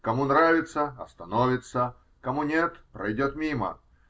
кому нравится -- остановится, кому нет -- пройдет мимо.